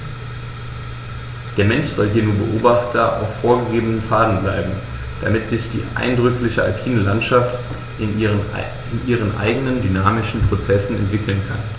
Der Mensch soll hier nur Beobachter auf vorgegebenen Pfaden bleiben, damit sich die eindrückliche alpine Landschaft in ihren eigenen dynamischen Prozessen entwickeln kann.